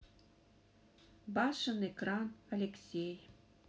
башенный кран алексей